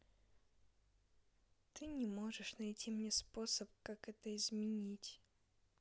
ты не можешь найти мне способ как это изменить